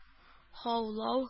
Һаулау